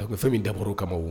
A ko fɛn min da kama ma wa